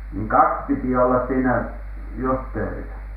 niin kaksi piti olla siinä justeerissa